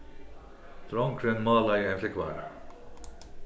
drongurin málaði ein flúgvara